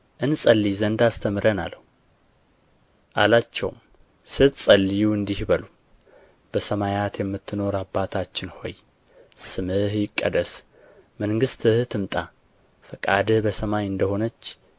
እንጸልይ ዘንድ አስተምረን አለው አላቸውም ስትጸልዩ እንዲህ በሉ በሰማያት የምትኖር አባታችን ሆይ ስምህ ይቀደስ መንግሥትህ ትምጣ ፈቃድህ በሰማይ እንደ ሆነች